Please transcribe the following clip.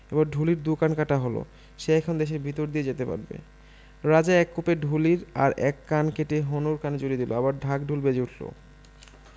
এইবার ঢুলির দু কান কাটা হলসে এখন দেশের ভিতর দিয়ে যেতে পারবে রাজা এক কোপে ঢুলির আর এক কান কেটে হনুর কানে জুড়ে দিলেনআবার ঢাক ঢোল বেজে উঠল